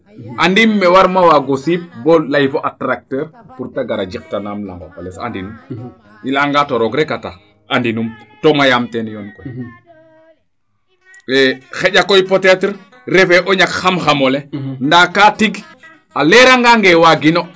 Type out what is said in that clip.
andiim me warmo waago siip bo ley fo a tracteur pour te gara njik tanaam laŋes andinum i leya nga to roog reka tax andinum to mayaam teen yoon koy xaƴa koy peut etre refee o ñak xam xam ole ndaa kaa tig a leera ngange waagino